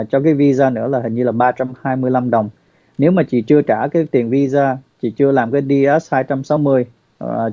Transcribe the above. cho cái vi da nữa là hình như là ba trăm hai mươi lăm đồng nếu mà chị chưa trả cái tiền vi da chị chưa làm cái đi ét hai trăm sáu mươi